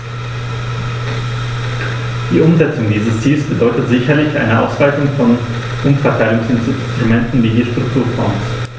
Die Umsetzung dieses Ziels bedeutet sicherlich eine Ausweitung von Umverteilungsinstrumenten wie die Strukturfonds.